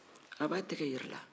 a b'a tɛgɛ yira i la